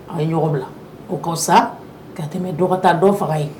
A ye ɲɔgɔn bila o ka fisa, ka tɛmɛ dɔ ka taa dɔ faga yen.